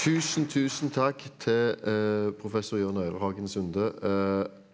1000 tusen takk til professor Jørn Øyrehagen Sunde .